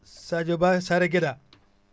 Sadio Ba Saare Gedda